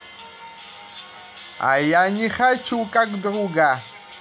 а я не хочу как друга